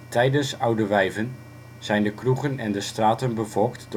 Oude Wijven ' zijn de kroegen en de straten bevolkt